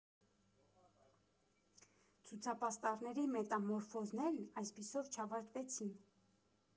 Ցուցապաստառների մետամորֆոզներն այսպիսով չավարտվեցին։